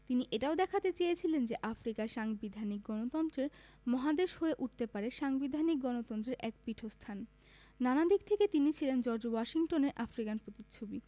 তিনি এটাও দেখাতে চেয়েছিলেন যে আফ্রিকা সাংবিধানিক গণতন্ত্রের মহাদেশ হয়ে উঠতে পারে সাংবিধানিক গণতন্ত্রের এক পীঠস্থান নানা দিক থেকে তিনি ছিলেন জর্জ ওয়াশিংটনের আফ্রিকান প্রতিচ্ছবি